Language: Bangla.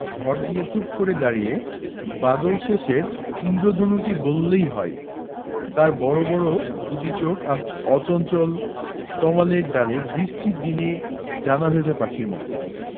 ভর দিয়ে চুপ করে দাঁড়িয়ে বাদলশেষের ঈন্দ্রধনুটি বললেই হয় তার বড় বড় দুটি চোখ আজ অচঞ্চল তমালের ডালে বৃষ্টির দিনে ডানা ভেজা পাখির মত